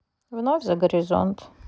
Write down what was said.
вновь за горизонт